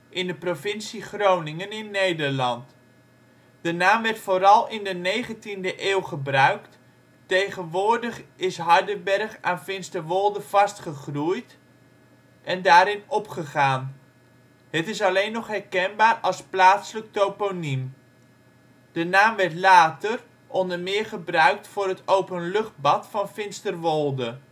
in de provincie Groningen in (Nederland). De naam werd vooral in de negentiende eeuw gebruikt, tegenwoordig Hardenberg is aan Finsterwolde vastgegroeid en daarin opgegaan. Het is alleen nog herkenbaar als plaatselijk toponiem. De naam werd later (onder meer) gebruikt voor het openluchtbad van Finsterwolde